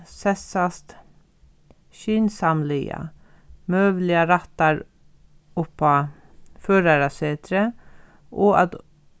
sessast skynsamliga møguliga rættar upp á førarasetrið og at